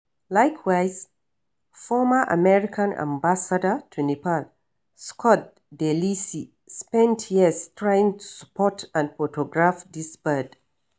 Likewise, former-American ambassador to Nepal Scott DeLisi spent years trying to spot and photograph this bird.